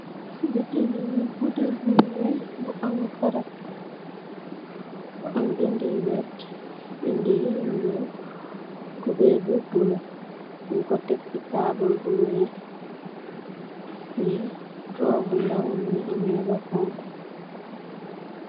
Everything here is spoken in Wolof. Boutelii, boutel bu wekh bu am garab, bu am bindue yu werte, bindue yu njull, couberre bu bleu, njung kor tek cii taabul bu wekh, fii draw bu ndaw mungy ameh lu honhu.